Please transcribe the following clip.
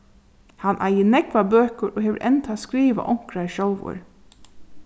hann eigur nógvar bøkur og hevur enntá skrivað onkrar sjálvur